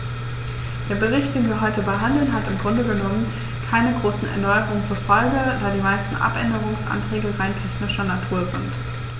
Der Bericht, den wir heute behandeln, hat im Grunde genommen keine großen Erneuerungen zur Folge, da die meisten Abänderungsanträge rein technischer Natur sind.